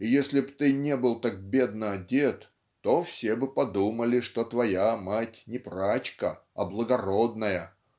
и если бы ты не был так бедно одет то все бы подумали что твоя мать не прачка а благородная.